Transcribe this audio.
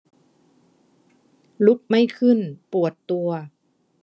ลุกไม่ขึ้นปวดตัว